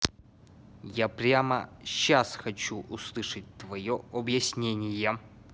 я прямо щас хочу услышать твое объяснение